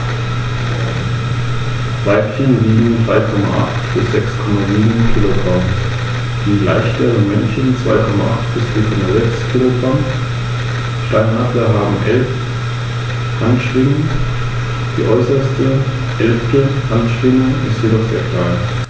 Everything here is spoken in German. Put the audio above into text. In den wenigen beobachteten Fällen wurden diese großen Beutetiere innerhalb von Sekunden getötet.